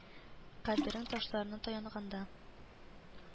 Каберең ташларына таянганда